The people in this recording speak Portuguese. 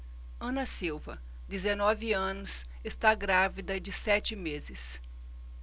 ana silva dezenove anos está grávida de sete meses